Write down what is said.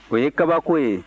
o ye kabako ye